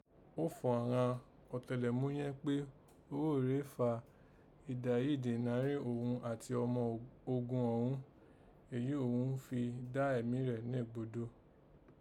Ó fọ̀ ghan àghan ọ̀tẹlẹ̀múnyẹ́n kpe ogho rèé fà èdè àìyédè nàárín òghun àti ọma ogun ọ̀ghọ́n èyí òghun fi dá ẹ̀mí rẹ nègbodò